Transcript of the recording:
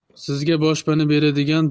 sizga boshpana beradigan